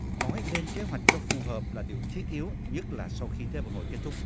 nói lên kế hoạch cho phù hợp là điều thiết yếu nhất là sau khi thế vận hội kết thúc